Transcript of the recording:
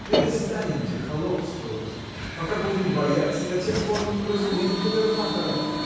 Перестанемте холопствовать: пока будем бояться, до тех пор не вразумим губернаторов.